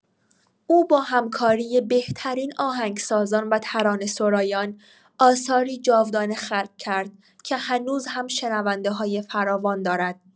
او با همکاری بهترین آهنگسازان و ترانه‌سرایان، آثاری جاودانه خلق کرد که هنوز هم شنونده‌های فراوان دارد.